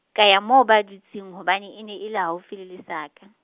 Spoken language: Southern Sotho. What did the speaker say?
ka ya moo ba dutseng hobane e ne e le haufi le lesaka.